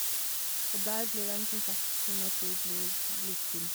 Og der blir det en konsert som jeg tror blir like fin.